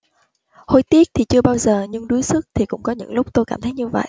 hối tiếc thì chưa bao giờ nhưng đuối sức thì cũng có những lúc tôi cảm thấy như vậy